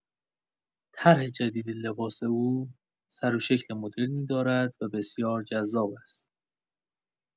طرح جدید لباس او سروشکل مدرنی دارد و بسیار جذاب است.